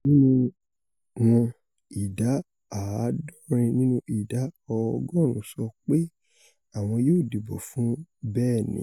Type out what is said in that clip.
Nínú wọ̀n, ìdá àádọ́rin nínú ìdá ọgọ́ọ̀rún sọ pé àwọn yóò dìbò fún bẹ́ẹ̀ni.